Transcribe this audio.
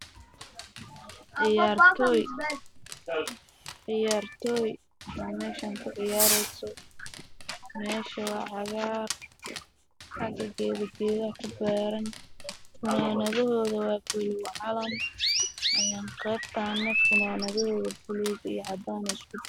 Ciyaartoy baa mesha ku ciyaareyso meesha waa cagaar